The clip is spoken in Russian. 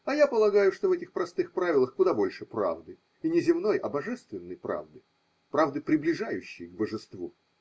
а я полагаю, что в этих простых правилах куда больше правды, и не земной, а божественной правды, правды, приближающей к божеству.